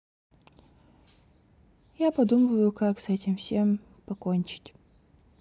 я подумываю как с этим всем покончить